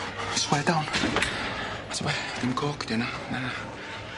Square down. A t'o' be', dim côc 'di wnna, na na.